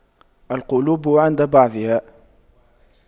القلوب عند بعضها